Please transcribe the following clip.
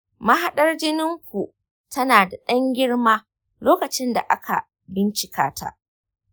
mahaɗar jinin ku tana da ɗan girma lokacin da aka bincika ta.